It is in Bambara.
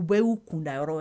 U bɔ y'u kunda yɔrɔ ye